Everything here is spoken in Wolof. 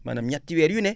maanam ñetti weer yu ne